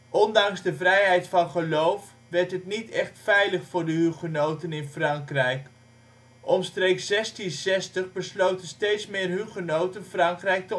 Ondanks de vrijheid van geloof werd het niet echt veilig voor de hugenoten in Frankrijk. Omstreeks 1660 besloten steeds meer hugenoten Frankrijk